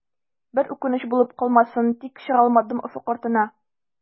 Бер үкенеч булып калмассың тик, чыгалмадым офык артына.